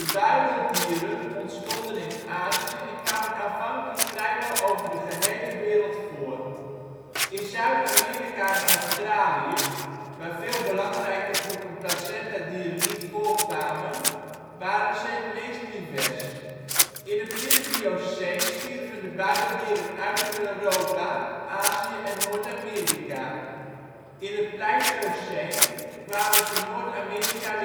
buideldieren ontstonden in Azië en kwamen aanvankelijk vrijwel over de gehele wereld voor. In Zuid-Amerika en Australië, waar veel belangrijke groepen placentadieren niet voorkwamen, waren ze het meest divers. In het Midden-Mioceen stierven de buideldieren uit in Europa, Azië en Noord-Amerika; in het Pleistoceen kwamen ze Noord-Amerika